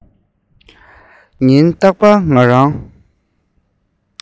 ཉིན རྟག པར ང རང